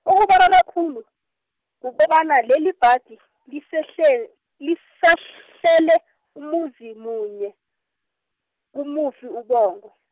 okubarara khulu, kukobana lelibhadi, lisahle-, lisahlele umuzi munye, kamufi uBongwe.